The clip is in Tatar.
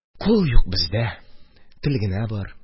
– кул юк бездә, тел генә бар.